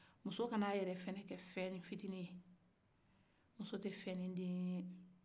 muso kana a yɛrɛ kɛ ko deni ye muso tɛ ko denin ye